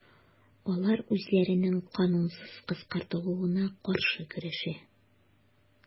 Алар үзләренең канунсыз кыскартылуына каршы көрәшә.